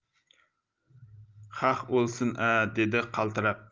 xah o'lsin a dedi qaltirab